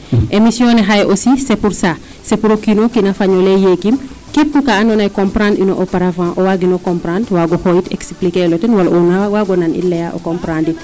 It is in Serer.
émission ne xaye ausssi c' est pour ca c' pour o kiino kiina faño leyee yegiim keep kaa ando naye comprendre ino au par avant o waagino comprendre o waagino xoyit expliquer el o ten wala o waago nan i leya o comprendre in